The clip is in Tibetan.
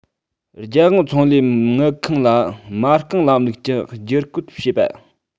རྒྱལ དབང ཚོང ལས དངུལ ཁང ལ མ རྐང ལམ ལུགས ཀྱི བསྒྱུར བཀོད བྱེད པ